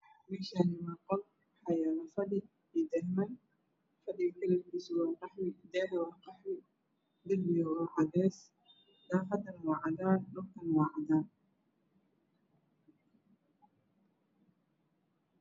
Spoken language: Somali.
Meshani waa qol waxa yalo fadhi io dahman fadhiga kalarkisa waa qahwi daha kalarkis waa qahwi darbiga waa cades daqdan waa cadan dhulka waa cadan